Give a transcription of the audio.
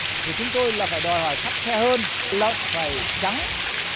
của chúng tôi là phải đòi hỏi khắt khe hơn lợn phải trắng